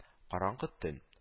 Караңгы төн